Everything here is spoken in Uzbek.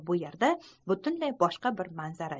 bu yerda butunlay boshqa bir manzara